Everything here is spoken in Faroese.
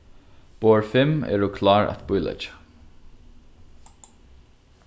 borð fimm eru klár at bíleggja